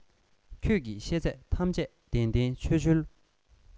ཁྱོད ཀྱིས བཤད ཚད ཐམས ཅད བདེན བདེན འཆོལ འཆོལ